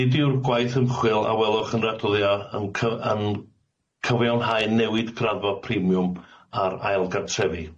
Nid yw'r gwaith ymchwil a welwch yn yr adroddiad yn cy- yn cyfiawnhau newid graddfa primiwm ar ail gartrefi.